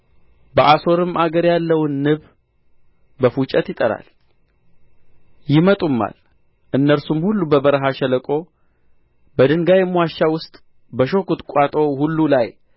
በአሦርም አገር ያለውን ንብ በፉጨት ይጠራል ይመጡማል እነርሱም ሁሉ በበረሃ ሸለቆ በድንጋይም ዋሻ ውስጥ በእሾህ ቍጥቋጦ ሁሉ ላይ